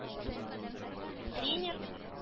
Тренер.